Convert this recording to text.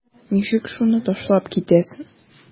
Ничек шуны ташлап китәсең?